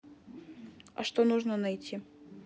а что нужно найти